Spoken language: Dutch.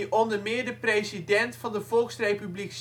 onder meer de president van de Volksrepubliek